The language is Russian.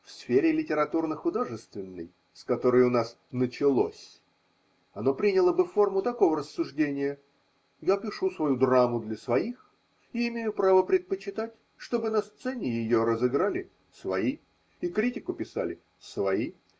В сфере литературно-художественной, с которой у нас началось, оно приняло бы форму такого рассуждения: я пишу свою драму для своих и имею право предпочитать, чтобы на сцене ее разыграли свои и критику писали свои.